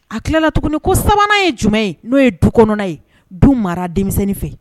A tilala tuguni ko sabanan ye jumɛn ye n'o ye du kɔnɔna ye du mara denmisɛnninni fɛ